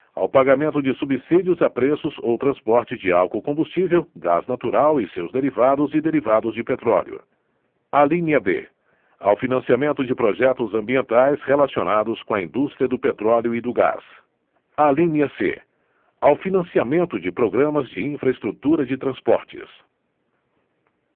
ao pagamento de subsídios a preços ou transporte de álcool combustível gás natural e seus derivados e derivados de petróleo alínea b ao financiamento de projetos ambientais relacionados com a indústria do petróleo e do gás alínea c ao financiamento de programas de infra estrutura de transportes